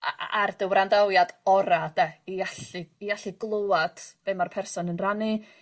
a- a- ar dy wrandawiad 'ora' 'de i allu i allu glywad be' ma'r person yn rannu.